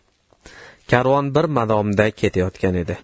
karvon bir maromda ketayotgan edi